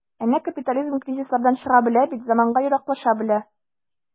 Әнә капитализм кризислардан чыга белә бит, заманга яраклаша белә.